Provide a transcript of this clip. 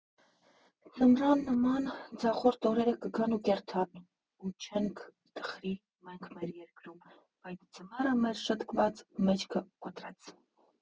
Ձմռան նման ձախորդ օրերը կգան ու կերթան, ու չենք տխրի մենք մեր երկրում, բայց ձմեռը մեր շտկված մեջքը կոտրեց.